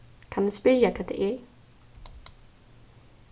kann eg spyrja hvat tað er